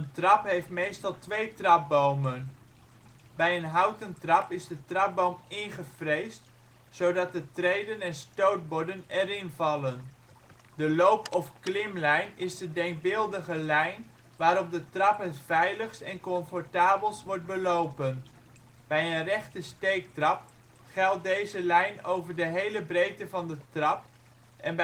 trap heeft meestal twee trapbomen. Bij een houten trap is de trapboom ingefreesd zodat de treden en stootborden erin vallen. De loop - of klimlijn is de denkbeeldige lijn waarop de trap het veiligst en comfortabelst wordt belopen. Bij een rechte steektrap geldt deze lijn over de hele breedte van de trap en